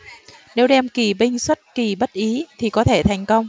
nếu đem kỳ binh xuất kỳ bất ý thì có thể thành công